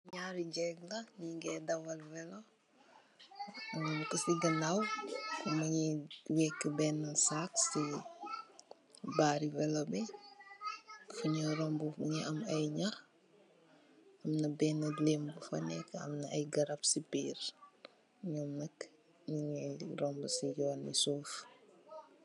Nyarri jeek nyunge dawal weluh kusi ganaw mungi wekah bena sac si bari weluh bi funyu rum mbu mungi am aye nyakh amna aye neek ak garap si birr